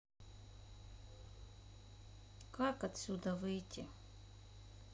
как отсюда выйти